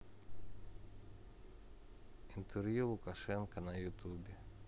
интервью лукашенко на ютубе